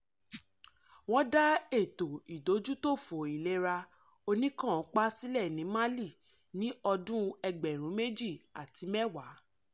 Wọ́n dá ètò ìdójútòfò ìlera oníkànńpá sílẹ̀ ní Mali ní ọdún 2010.